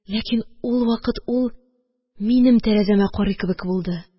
Ләкин ул вакыт ул минем тәрәзәмә карый кебек булды...